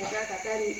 Aa ka taa di